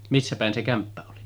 missä päin se kämppä oli